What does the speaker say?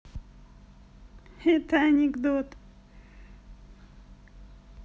это анекдот